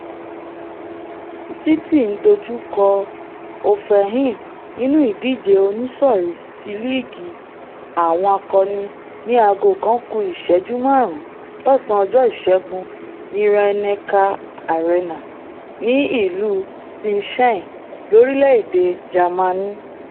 City ńdojúkọ Hoffenheim nínú ìdíje oníṣòrí ti Líìgì Àwọn Akọni ní aago kan ku ìṣẹ́jú máàrún lọ́ọ̀sán ọjọ́ Ìṣẹ́gun ní Rhein-Neckar-Arena ní ìlú Sinsheim, lorilẹ̵-ede Jamani.